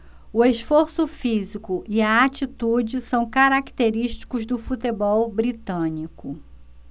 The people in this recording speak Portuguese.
o esforço físico e a atitude são característicos do futebol britânico